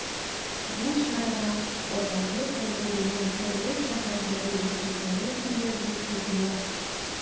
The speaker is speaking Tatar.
Бу чарага “Азатлык” берлегенең төрле шәһәрдәге вәкилләре килер дип көтелә.